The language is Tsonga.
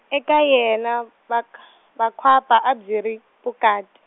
eka yena, va kha- vakwapa a byi ri vukati.